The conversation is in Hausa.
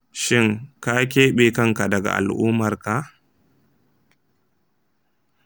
shin ka keɓe kanka daga al'ummarka?